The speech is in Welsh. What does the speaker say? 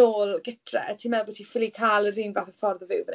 nôl gytre, ti'n meddwl bod ti'n ffili cael yr un fath o ffordd o fyw fan hyn.